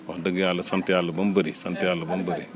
wax dëgg yàlla sant yàlla ba mu bëri sant yàlla ba mu bëri